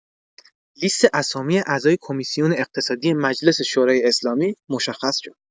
لیست اسامی اعضای کمیسیون اقتصادی مجلس شورای اسلامی مشخص شد.